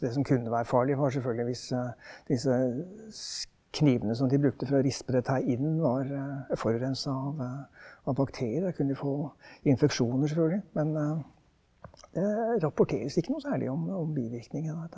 det som kunne være farlig var selvfølgelig hvis disse knivene som de brukte for å rispe dette her inn var forurensa av av bakterier, da kunne de få infeksjoner selvfølgelig, men det rapporteres ikke noe særlig om om bivirkningen av dette her.